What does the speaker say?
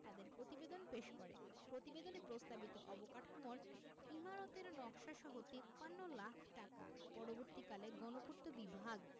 তাদের প্রতিবেদন পেশ করে প্রতিবেদনে প্রস্তাবিত অবকাঠামোর ইমারতের নকশাসহ ৫৩ লাখ টাকা পরবর্তীকালে গণপূর্ত বিভাগ